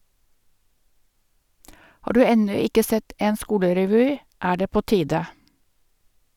Har du ennå ikke sett en skolerevy, er det på tide.